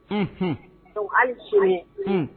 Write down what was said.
H h hali tiɲɛ h